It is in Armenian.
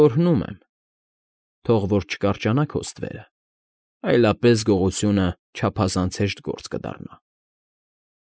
Օրհնում եմ. թող որ չկարճանա քո ստվերը, այլապես գողությունը չափազանց հեշտ գործ կդառնա։